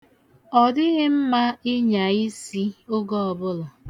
Ọdịghị mma ịnya isi oge ọbụla.